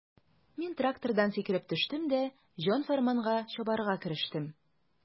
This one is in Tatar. Мин трактордан сикереп төштем дә җан-фәрманга чабарга керештем.